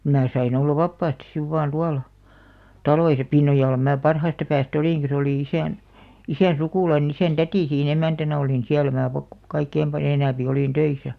minä sain olla vapaasti sitten vain tuolla taloissa Pinnojalla minä parhaasta päästä olinkin se oli isän isän sukulainen isän täti siinä emäntänä oli niin siellä minä - kaikkein paljon enempi olin töissä